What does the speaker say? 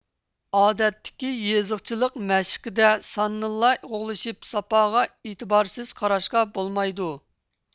ئادەتتىكى يېزىقچىلىق مەشىقىدە ساننىلا قوغلىشىپ ساپاغا ئېتىبارسىز قاراشقا بولمايدۇ